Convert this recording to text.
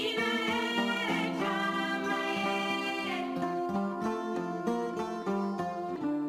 Y'a diɲɛ maa kɛ laban